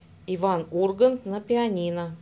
иван ургант на пианино